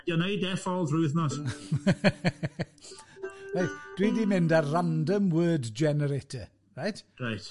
a di o'n wneud e-fall trwy wythnos Reit, dwi'n mynd i mynd ar random word generator, reit Reit.